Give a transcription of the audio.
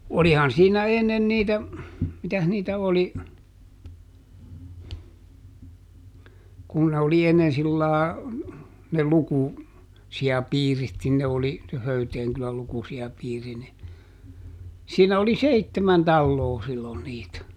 olihan siinä ennen niitä mitäs niitä oli kun ne oli ennen sillä lailla ne - lukusijapiirit niin ne oli se Höyteen kylän lukusijapiiri niin siinä oli seitsemän taloa silloin niitä